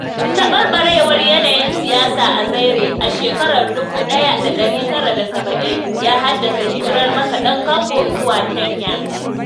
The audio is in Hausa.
Taɓarɓarewar yanayin siyasa a Zaire a shekarar 1970 ya haddasa hijirar makaɗan Congo zuwa Kenya.